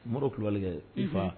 Mori ku kulubalili kɛ faa